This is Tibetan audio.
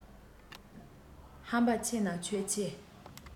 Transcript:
ཧམ པ ཆེ ན ཁྱོད ཆེ